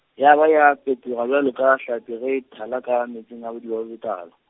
ya ba ya phetoga bjalo ka hlapi ge e thala ka meetseng a bodiba bjo botala.